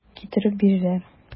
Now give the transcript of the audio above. Китереп бирәләр.